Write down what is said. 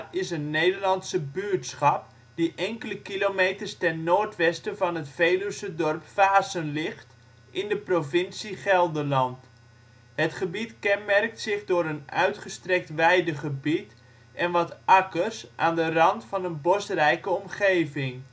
is een Nederlandse buurtschap die enkele kilometers ten noordwesten van het Veluwse dorp Vaassen ligt, in de provincie Gelderland. Het gebied kenmerkt zich door een uitgestrekt weidegebied en wat akkers aan de rand van een bosrijke omgeving